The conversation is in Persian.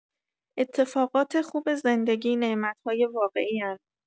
اتفاقات خوب زندگی نعمت‌های واقعی‌اند.